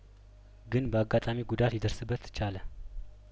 ግን በአጋጣሚ ጉዳት ሊደርስበት ቻለ